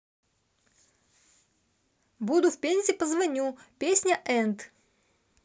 буду в пензе позвоню песня and